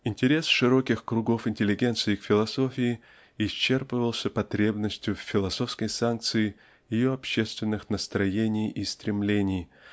Интерес широких кругов интеллигенции к философии исчерпывался потребностью в философской санкции ее общественных настроений и стремлений